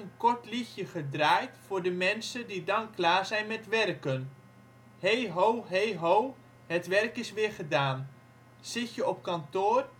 gedraaid voor de mensen die dan klaar zijn met werken: He ho, he ho, het werk is weer gedaan. Zit je op kantoor